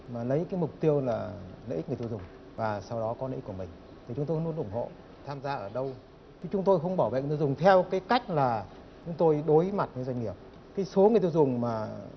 và lấy các mục tiêu là lợi ích người tiêu dùng và sau đó có lợi của mình thì chúng tôi luôn ủng hộ tham gia ở đâu chứ chúng tôi không bảo vệ người dùng theo cái cách là chúng tôi đối mặt với doanh nghiệp cái số người tiêu dùng mà